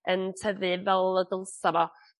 yn tyfu fel y dylsa fo.